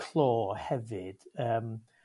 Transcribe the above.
clo hefyd yym